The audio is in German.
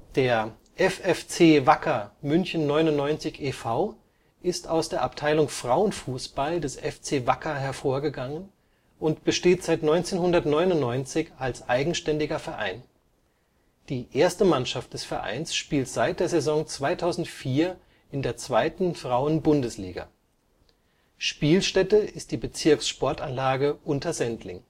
Der FFC Wacker München 99 e. V. ist aus der Abteilung Frauenfußball des FC Wacker hervorgegangen und besteht seit 1999 als eigenständiger Verein, die 1. Mannschaft des Vereins spielt seit der Saison 2004 in der 2. Frauen-Bundesliga. Spielstätte ist die Bezirkssportanlage Untersendling